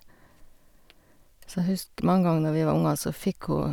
Så jeg husker mange ganger når vi var unger, så fikk hun...